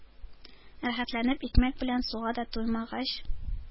Рәхәтләнеп икмәк белән суга да туймагач,